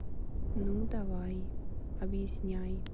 ну давай объясняй